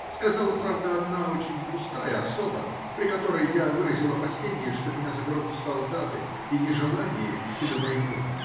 Сказала, правда, одна очень пустая особа, при которой я выразил опасение, что меня заберут в солдаты, и нежелание идти на войну.